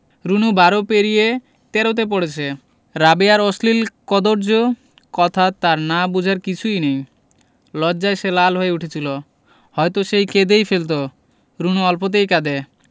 রুনু বারো পেরিয়ে তেরোতে পড়েছে রাবেয়ার অশ্লীল কদৰ্য কথা তার না বুঝার কিছুই নেই লজ্জায় সে লাল হয়ে উঠেছিলো হয়তো সে কেঁদেই ফেলতো রুনু অল্পতেই কাঁদে